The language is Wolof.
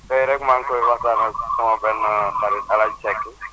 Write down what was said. tey rek maa ngi koy waxtaan ak sama benn xarit El Hadj Seck